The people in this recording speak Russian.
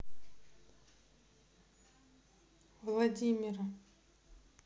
владимира